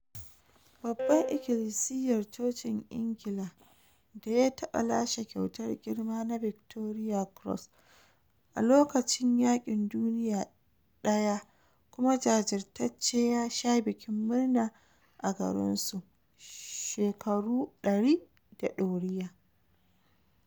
Babban ikilisiyar chocin ingila daya taba lashe kyautar girma na Victoria cross a lokacin yakin duniya Daya kuma jajirtacce ya sha bikin murna a garin su shekaru 100 da doriya.